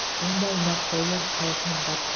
bunday maqtovlar shayxni